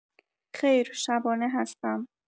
خیر شبانه هستم